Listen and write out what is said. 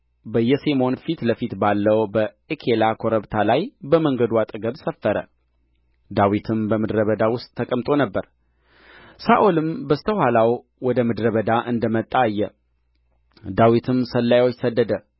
በየሴሞን ፊት ለፊት ባለው በኤኬላ ኮረብታ ላይ በመንገዱ አጠገብ ሰፈረ ዳዊትም በምድረ በዳ ውስጥ ተቀምጦ ነበር ሳኦልም በስተ ኋላው ወደ ምድረ በዳ እንደ መጣ አየ ዳዊትም ሰላዮች ሰደደ